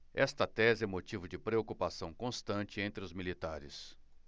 esta tese é motivo de preocupação constante entre os militares